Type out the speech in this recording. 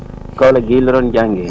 Kaolack gii la doon jàngee